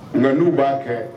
Nalu b'a kɛ